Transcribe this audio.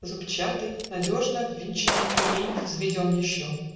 Зубчатый, Надежно ввинченный кремень Взведен еще.